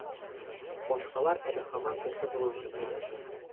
Башкалар әле һаман кеше булып җитмәгәннәр